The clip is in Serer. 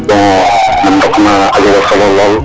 bon men ndokna a jega solo lool